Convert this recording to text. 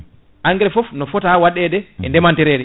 engrain foof no fata waɗe e ndeematereri